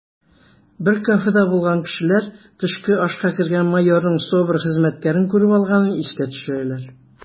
Бер кафеда булган кешеләр төшке ашка кергән майорның СОБР хезмәткәрен күреп алганын искә төшерәләр: